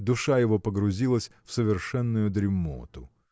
душа его погрузилась в совершенную дремоту.